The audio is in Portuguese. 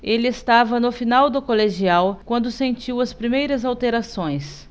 ele estava no final do colegial quando sentiu as primeiras alterações